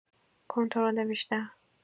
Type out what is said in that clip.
کنترل بیشتر